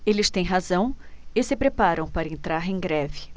eles têm razão e se preparam para entrar em greve